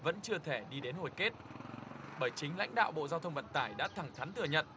vẫn chưa thể đi đến hồi kết bởi chính lãnh đạo bộ giao thông vận tải đã thẳng thắn thừa nhận